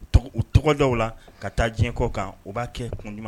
Tɔgɔ u tɔgɔ d'aw la ka taa diɲɛ kɔ kan u b'a kɛ kun jum